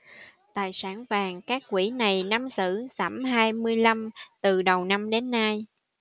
tài sản vàng các quỹ này nắm giữ giảm hai mươi lăm từ đầu năm đến nay